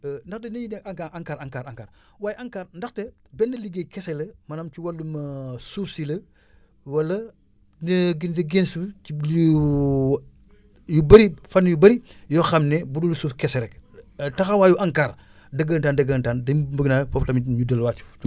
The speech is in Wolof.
ndaxte dañuy ne ANCAR ANCAR ANCAR ANCAR waaye ANCAR ndaxte benn liggéey kese la maanaam ci wàllum suuf si la wala na gën di gestu ci yu bëri fànn yu bëri yoo xam ne bu dul suuf kese rek taxawaayu ANCAR dëggantaan dëggantaan dañ bëgg naa foofu tamit ñu delluwaat ci